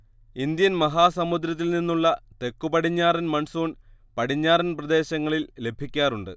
Indian മഹാസമുദ്രത്തിൽനിന്നുമുള്ള തെക്കുപടിഞ്ഞാറൻ monsoon പടിഞ്ഞാറൻ പ്രദേശങ്ങളിൽ ലഭിക്കാറുണ്ട്